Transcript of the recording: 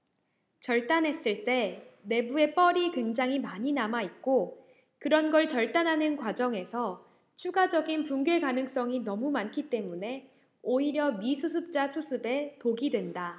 절단했을 때 내부에 뻘이 굉장히 많이 남아있고 그런 걸 절단하는 과정에서 추가적인 붕괴 가능성이 너무 많기 때문에 오히려 미수습자 수습에 독이 된다